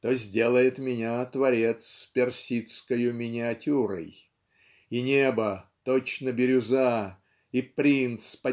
То сделает меня Творец Персидскою миниатюрой. И небо точно бирюза И принц